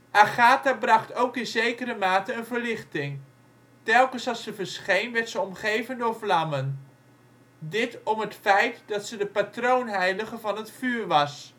Agatha bracht ook in zekere mate een verlichting, telkens als ze verscheen werd ze omgeven door vlammen. Dit om het feit dat ze de patroonheilige van het vuur was